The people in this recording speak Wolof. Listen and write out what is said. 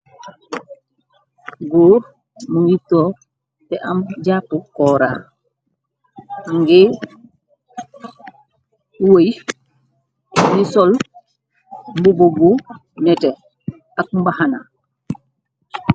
Goor mu ngi toog te am jàppu koora, mingi wëy, mingi sol mbubu bu nete ak mbaxana.